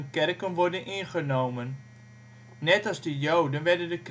kerken worden ingenomen. Net als de joden, werden de